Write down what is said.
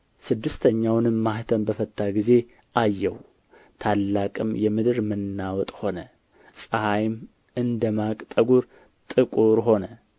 ስድስተኛውንም ማኅተም በፈታ ጊዜ አየሁ ታላቅም የምድር መናወጥ ሆነ ፀሐይም እንደ ማቅ ጠጕር ጥቁር ሆነ